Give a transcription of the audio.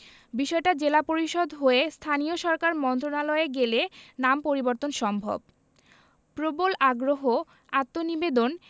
বিষয়টা জেলা পরিষদ হয়ে স্থানীয় সরকার মন্ত্রণালয়ে গেলে নাম পরিবর্তন সম্ভব প্রবল আগ্রহ আত্মনিবেদন